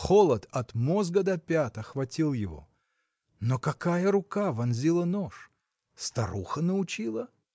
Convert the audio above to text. Холод от мозга до пят охватил его. Но какая рука вонзила нож? Старуха научила?